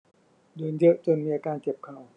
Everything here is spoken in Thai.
เดินเยอะจนมีอาการเจ็บเข่า